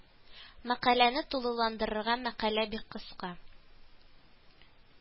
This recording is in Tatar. Мәкаләне тулыландырырга мәкалә бик кыска